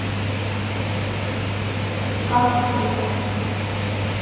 как ты кальян